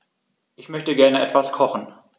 Ich möchte gerne etwas kochen.